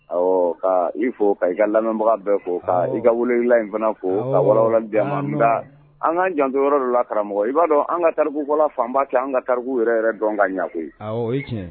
Awɔ, ka i fo, ka i ka lamɛnbaga bɛɛ fɔ, ka i ka welelilaw in fana fɔ ,ka walawalali d'an ma. Nka an ka an janto yɔrɔ dɔ la karamɔgɔ,i b'a dɔn an ka ta yarikufɔla fanba tɛ an ka tariku yɛrɛ yɛrɛ dɔn ka ɲɛ koyi. Awɔ, oye tiɲɛ ye.